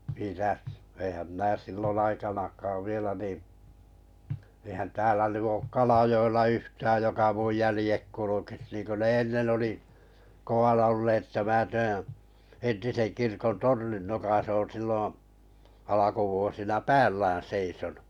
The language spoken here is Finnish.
mitäs eihän minä silloin aikanakaan vielä niin eihän täällä nyt ole Kalajoella yhtään joka minun jäljet kulkisi niin kuin ne ennen oli kovana olleet että minä tämän entisen kirkon tornin nokassa olen silloin alkuvuosina päällään seisonut